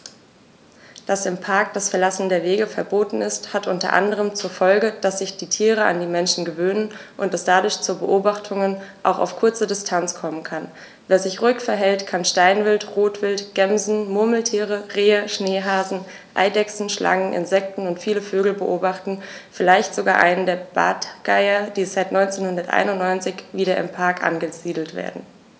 Dass im Park das Verlassen der Wege verboten ist, hat unter anderem zur Folge, dass sich die Tiere an die Menschen gewöhnen und es dadurch zu Beobachtungen auch auf kurze Distanz kommen kann. Wer sich ruhig verhält, kann Steinwild, Rotwild, Gämsen, Murmeltiere, Rehe, Schneehasen, Eidechsen, Schlangen, Insekten und viele Vögel beobachten, vielleicht sogar einen der Bartgeier, die seit 1991 wieder im Park angesiedelt werden.